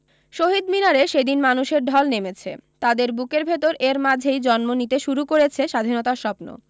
শহীদ মিনারে সেদিন মানুষের ঢল নেমেছে তাদের বুকের ভেতর এর মাঝেই জন্ম নিতে শুরু করেছে স্বাধীনতার স্বপ্ন